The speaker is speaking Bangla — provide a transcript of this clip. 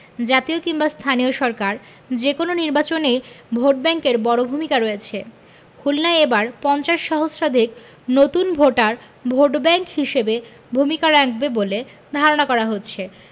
জাতীয় কিংবা স্থানীয় সরকার যেকোনো নির্বাচনেই ভোটব্যাংকের বড় ভূমিকা রয়েছে খুলনায় এবার ৫০ সহস্রাধিক নতুন ভোটার ভোটব্যাংক হিসেবে ভূমিকা রাখবে বলে ধারণা করা হচ্ছে